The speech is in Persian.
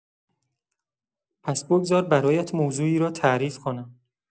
پس بگذار برایت موضوعی را تعریف کنم.